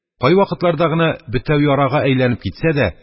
Кайвакытларда гына бетәү ярага әйләнеп китсә дә,